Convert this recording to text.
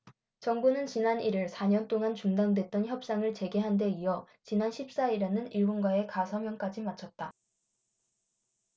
정부는 지난 일 일 사 년 동안 중단됐던 협상을 재개한 데 이어 지난 십 사 일에는 일본과의 가서명까지 마쳤다